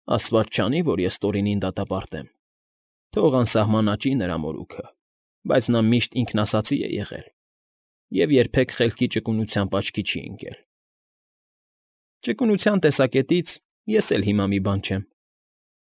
Աստված չանի, որ ես Տորինին դատապարտեմ, թող անսահման աճի նրա մորուքը, բայց նա միշտ ինքնասածի է եղել և երբեք խելքի ճկունությամբ աչքի չի ընկել։ ֊ Ճկունության տեսանկյունից ես էլ հիմա մի բան չեմ,֊